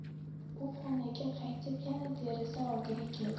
u xonaga qaytib yana deraza oldiga keldi